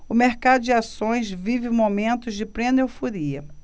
o mercado de ações vive momentos de plena euforia